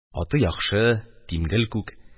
Аты яхшы – тимгел-күк.